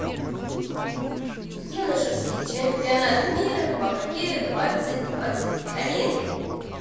юношеский чемпионат мира по хоккею двадцать двадцать один